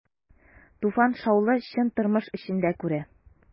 Туфан шаулы, чын тормыш эчендә күрә.